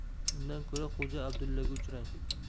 undan ko'ra xo'ja abdullaga uchrang